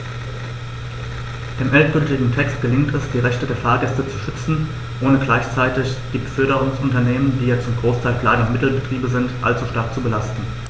Dem endgültigen Text gelingt es, die Rechte der Fahrgäste zu schützen, ohne gleichzeitig die Beförderungsunternehmen - die ja zum Großteil Klein- und Mittelbetriebe sind - allzu stark zu belasten.